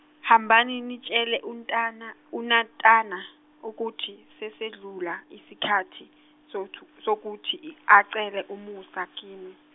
hambani nitshele untana- uNatana, ukuthi sesedlula isikhathi, sotu- sokuthi acele umusa kimi.